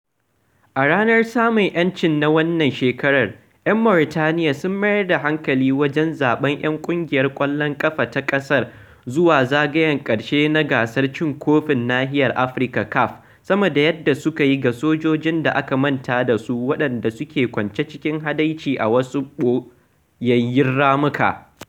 A ranar samun 'yanci na wannan shekarar, 'yan Mauritaniya sun mayar da hankali wajen zaɓen 'yan ƙungiyar wasan ƙwallon ƙafa ta ƙasa zuwa zagayen ƙarshe na gasar cin kofin nahiyar Afirka (CAF) sama da yadda suka yi ga "sojojin da aka manta da su [waɗanda] suke kwance cikin kaɗaici a wasu ɓoyayyun ramuka.